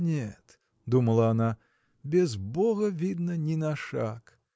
Нет, – думала она, – без бога, видно, ни на шаг.